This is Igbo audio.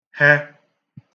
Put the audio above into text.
hẹ